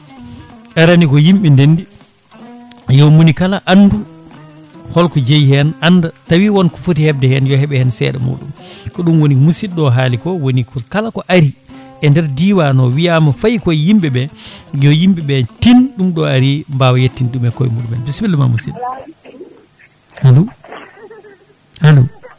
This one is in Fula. arani ko yimɓe dendi yo monikala andu holko jeeyi hen anda tawi wonko footi hebde hen yo heeb hen seeɗa muɗum ko ɗum woni musidɗo o haali ko woni ko kala ko aari e nder diwan o wiiyama fayi koye yimɓeɓe yo yimɓeɓe tin ɗum ɗo aari mbawa yettinde ɗumen e kooye muɗumen bisimillama musidɗo alo alo